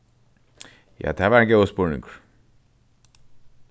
ja tað var ein góður spurningur